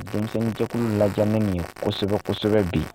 Denmisɛnninjɛkulu lamɛ min ye kosɛbɛ kosɛbɛ bi